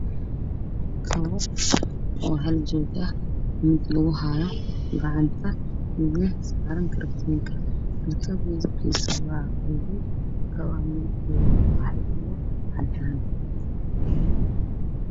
Kabo hal joog ah gacanta lagu haayo